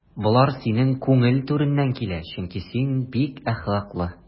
Болар синең күңел түреннән килә, чөнки син әхлаклы.